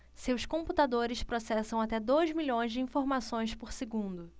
seus computadores processam até dois milhões de informações por segundo